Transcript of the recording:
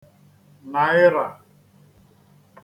nàịrà